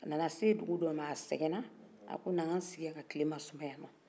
a nana se dugu dɔ m'a sɛgɛna a ko na n ka n sigin yan ka tile masumaya